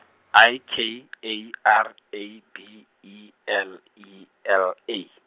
I K A R A B E L E L A.